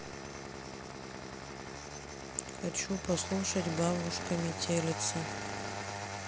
хочу послушать бабушка метелица